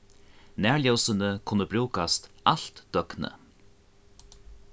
nærljósini kunnu brúkast alt døgnið